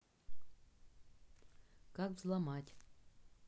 как взломать